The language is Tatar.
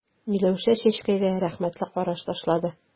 Миләүшә Чәчкәгә рәхмәтле караш ташлады.